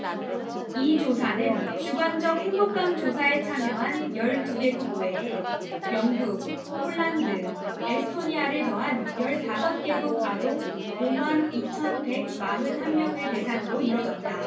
이 조사는 주관적 행복감 조사에 참여한 열 두 개국 외에 영국 폴란드 에스토니아를 더한 열 다섯 개국 아동 오 만 이 천 백 마흔 한 명을 대상으로 이뤄졌다